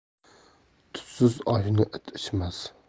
tuzsiz oshni it ichmas